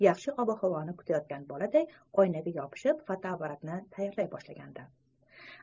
yaxshi ob havoni kutayotgan boladay oynaga yopishib fotoapparatni tayyorlay boshladi